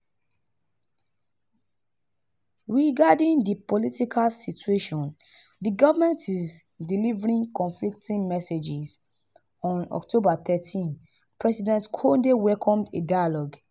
Regarding the political situation, the government is delivering conflicting messages: On October 13, President Condé welcomed a dialogue: